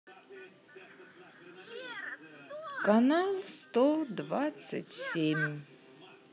канал сто двадцать семь